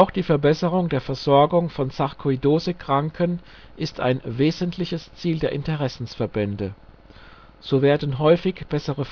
die Verbesserung der Versorgung von Sarkoidosekranken ist ein wesentliches Ziel der Interessensverbände. So werden häufig bessere